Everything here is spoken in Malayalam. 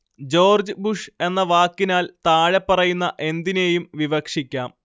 ജോർജ്ജ് ബുഷ് എന്ന വാക്കിനാൽ താഴെപ്പറയുന്ന എന്തിനേയും വിവക്ഷിക്കാം